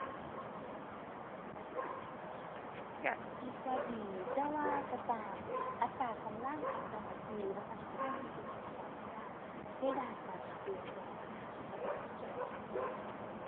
ก็คิดว่าดี แต่ว่าก็ตามอัตรากำลังของเจ้าหน้าที่หรือว่าพนักงานที่เพิ่นจัดสรรมา ในด้านการรับเรื่องแจ้งปัญหากับวิธีแก้ปัญหานั่นแหละ